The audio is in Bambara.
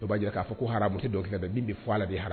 B'aa ko dɛ bɛ